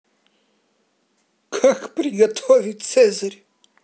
как приготовить цезарь